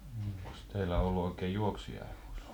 no onkos teillä ollut oikein juoksijahevosia